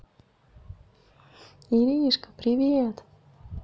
иришка привет